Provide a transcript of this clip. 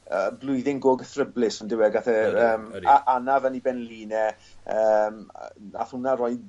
yy blwyddyn go gethryblus on'd yw e? Gath e yym a- anaf yn ei ben-lin e yym nath hwnna roi